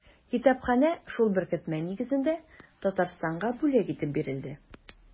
Китапханә шул беркетмә нигезендә Татарстанга бүләк итеп бирелде.